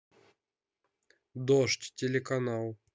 дождь телеканал